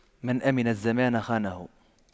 من أَمِنَ الزمان خانه